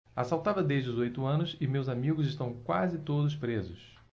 assaltava desde os oito anos e meus amigos estão quase todos presos